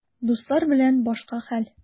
Дуслар белән башка хәл.